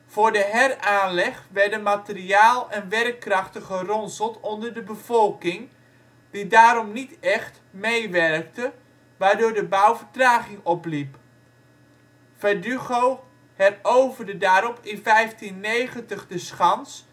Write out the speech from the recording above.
Voor de heraanleg werden materiaal en werkkrachten geronseld onder de bevolking, die daarom niet echt meewerkte, waardoor de bouw vertraging opliep. Verdugo heroverde daarop in 1590 de schans